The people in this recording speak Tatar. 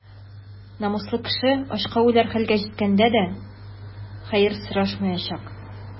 Намуслы кеше ачка үләр хәлгә җиткәндә дә хәер сорашмаячак.